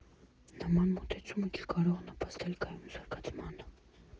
Նման մոտեցումը չի կարող նպաստել կայուն զարգացմանը։